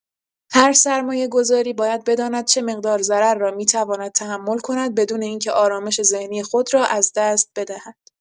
هر سرمایه‌گذاری باید بداند چه مقدار ضرر را می‌تواند تحمل کند بدون اینکه آرامش ذهنی خود را از دست بدهد.